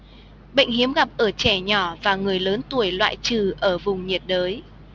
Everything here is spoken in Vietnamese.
bệnh hiếm gặp ở trẻ nhỏ và người lớn tuổi loại trừ ở vùng nhiệt đới